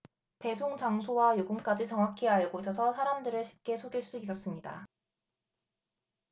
배송장소와 요금까지 정확히 알고 있어서 사람들을 쉽게 속일 수 있었습니다